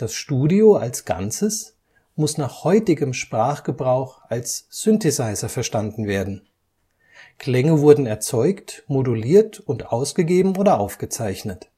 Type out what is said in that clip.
Studio als Ganzes muss nach heutigem Sprachgebrauch als Synthesizer verstanden werden: Klänge wurden erzeugt, moduliert und ausgegeben oder aufgezeichnet